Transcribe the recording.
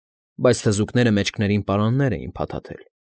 Բայց թզուկները մեջքներին պարաններ էին փաթաթել։